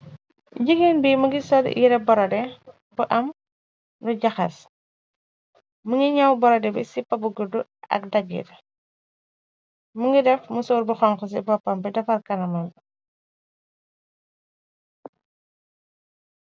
Jigéen bi mu ngi sol yiré borodè bu am lu jahas. Mu ngi ñaw borodè bi sipa bu guddu ak dagit. Mu ngi def musóor bu honku ci boppam bi, defar kanamam bi.